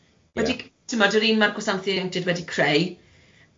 wedi c- timod yr un ma'r gwasanaethau Ieuenctid wedi creu.